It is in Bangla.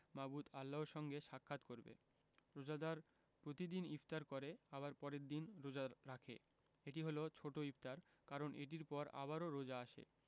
মাবুদ আল্লাহর সঙ্গে সাক্ষাৎ করবে রোজাদার প্রতিদিন ইফতার করে আবার পরের দিন রোজা রাখে এটি হলো ছোট ইফতার কারণ এটির পর আবারও রোজা আসে